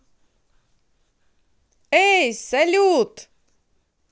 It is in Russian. эй салют